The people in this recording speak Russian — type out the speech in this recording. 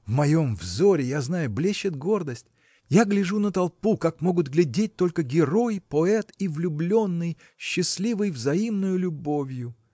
в моем взоре, я знаю, блещет гордость. Я гляжу на толпу как могут глядеть только герой поэт и влюбленный счастливый взаимною любовью.